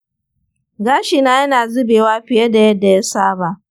gashina yana zubewa fiye da yadda ya saba.